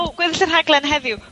O gweddill y rhaglen heddiw...